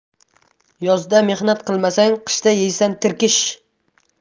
yozda mehnat qilmasang qishda yeysan tirkish